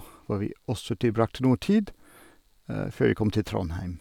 Hvor vi også tilbrakte noe tid, før vi kom til Trondheim.